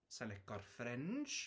Sa i'n lico'r fringe...